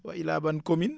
wa illaa ban commune